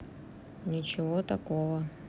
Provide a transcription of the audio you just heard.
ничего такого нет